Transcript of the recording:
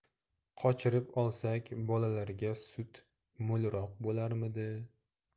qochirib olsak bolalarga sut mo'lroq bo'larmidi